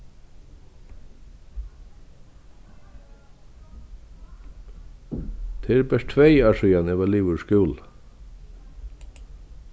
tað eru bert tvey ár síðan eg varð liðugur í skúla